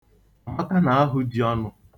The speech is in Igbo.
Amaka na-ahụ ji ọnụ.